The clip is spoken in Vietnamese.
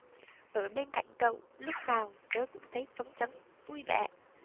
ở bên cạnh cậu lúc nào tớ cũng thấy phấn chấn vui vẻ